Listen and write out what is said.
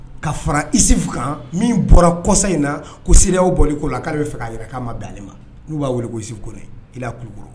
Ka fara isufu kan min bɔra kɔsa in na ko seliw bɔ i ko la k'aale bɛ fɛ'a jira k'a ma bilaale ma n'u b'a weele kosi''a kulukura